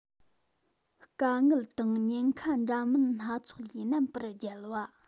དཀའ ངལ དང ཉེན ཁ འདྲ མིན སྣ ཚོགས ལས རྣམ པར རྒྱལ བ